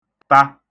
ta